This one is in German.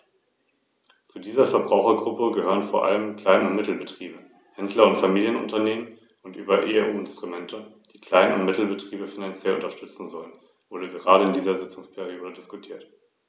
Wir müssen herausfinden, über welche Qualifikationen und Potentiale unsere Regionen im High-Tech-Sektor verfügen.